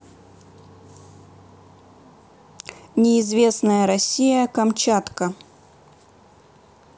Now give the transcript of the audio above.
неизвестная россия камчатка